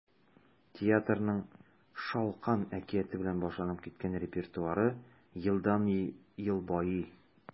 Театрның “Шалкан” әкияте белән башланып киткән репертуары елдан-ел байый.